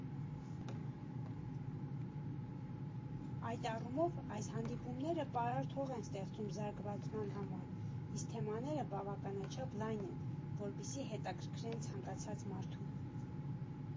Այդ առումով, այս հանդիպումները պարարտ հող են ստեղծում զարգացման համար, իսկ թեմաները բավականաչափ լայն են, որպեսզի հետաքրքրեն ցանկացած մարդու։